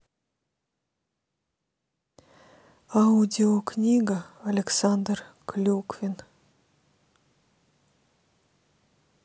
аудиокнига александр клюквин